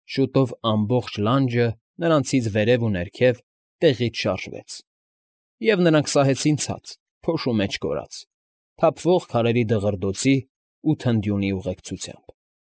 Շուտով ամբողջ լանջը, նրանցից վերև ու ներքև, տեղից շարժվեց, և նրանք սահեցին ցած՝ փոշու մեջ կորած, թափվող քարերի դղրդոցի ու թնդյունի ուղեկցությամբ։